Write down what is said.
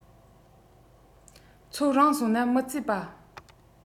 ཚོད རིང སོང ན མི རྩེ པ